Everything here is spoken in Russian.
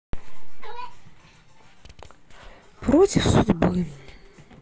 против судьбы